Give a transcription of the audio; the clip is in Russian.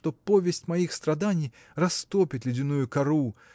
что повесть моих страданий растопит ледяную кору